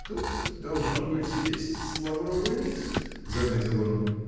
— Тут, должно быть, есть лавровый лист, — заметил он.